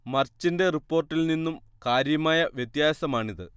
മർച്ചിന്റെ റിപ്പോർട്ടിൽ നിന്നും കാര്യമായ വ്യത്യാസമാണിത്